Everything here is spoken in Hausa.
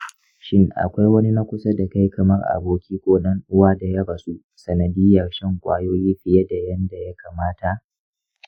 shin akwai wani na kusa da kai kamar aboki ko ɗan uwa da ya rasu sanadiyyar shan ƙwayoyi fiye da yanda ya kamata?